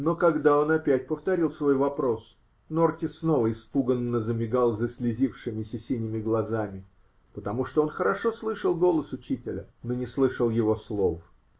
Но когда он опять повторил свой вопрос, Норти снова испуганно замигал заслезившимися синими глазами, потому что он хорошо слышал голос учителя, но не слышал его слов.